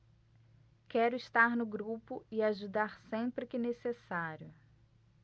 quero estar no grupo e ajudar sempre que necessário